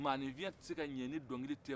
maanifinya tɛ se ka ɲa ni dɔnkili tɛ